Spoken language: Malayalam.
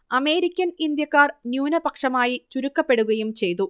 അമേരിക്കൻ ഇന്ത്യക്കാർ ന്യൂനപക്ഷമായി ചുരുക്കപ്പെടുകയും ചെയ്തു